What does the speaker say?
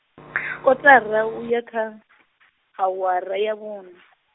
kotara u ya kha , awara ya vhuna.